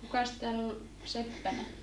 kukas täällä oli seppänä